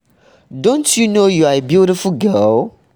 Don’t you know you are a beautiful girl?